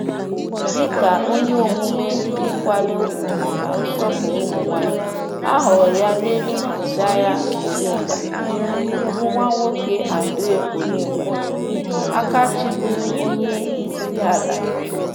Dịka onye omume n'ịkwado ùgwù na nsọpụrụ ụmụnwaanyị, a họrọ ya n'elu Desire Kolingba, bụ nwa nwoke André Kolingba, aka chịburu onyeisiala.